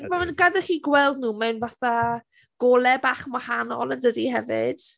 Ma' fe'n gadael i chi gweld nhw mewn fatha golau bach yn wahanol yn dydi, hefyd?